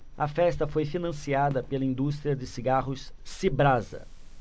a festa foi financiada pela indústria de cigarros cibrasa